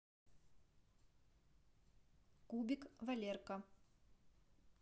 кубик валерка